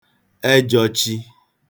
ejọchī